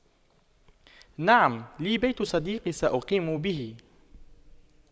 نعم لي بيت صديقي سأقيم به